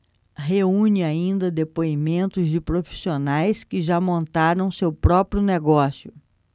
reúne ainda depoimentos de profissionais que já montaram seu próprio negócio